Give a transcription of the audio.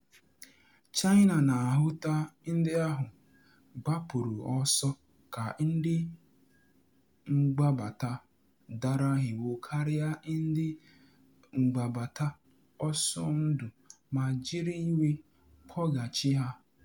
China na ahụta ndị ahụ gbapụrụ ọsọ ka ndị mgbabata dara iwu karịa ndị mgbabata ọsọ ndụ ma jiri iwe kpọghachi ha.